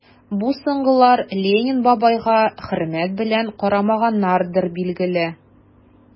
Бу соңгылар Ленин бабайга хөрмәт белән карамаганнардыр, билгеле...